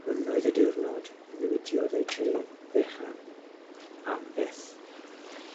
Hwn oedd y diwrnod y newidiodd eu tref fechan am byth.